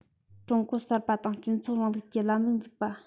ཀྲུང གོ གསར པ དང སྤྱི ཚོགས རིང ལུགས ཀྱི ལམ ལུགས འཛུགས པ